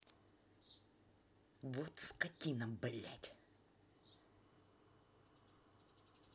вот скотина блядь